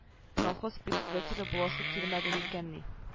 Колхоз председәтеле буласы килмәде микәнни